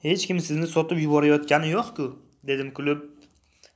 hech kim sizni sotib yuborayotgani yo'q ku dedim kulib